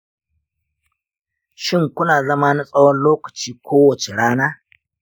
shin, kuna zama na tsawon lokaci kowace rana?